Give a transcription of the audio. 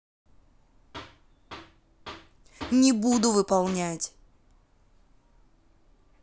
не буду выполнять